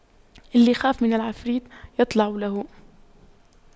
اللي يخاف من العفريت يطلع له